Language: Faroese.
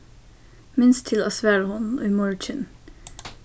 minst til at svara honum í morgin